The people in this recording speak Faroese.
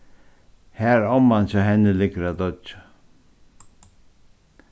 har omman hjá henni liggur at doyggja